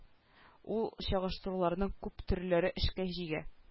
Ул чагыштыруларның күп төрләре эшкә җигә